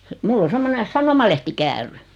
minulla on semmoinen sanomalehtikäärö